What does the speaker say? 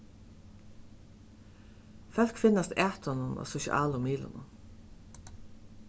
fólk finnast at honum á sosialu miðlunum